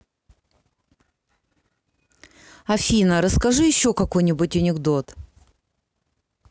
афина расскажи еще какой нибудь анекдот